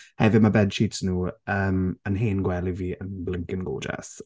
Hefyd, mae bedsheets nhw yym yn hen gwely fi yn blinking gorgeous.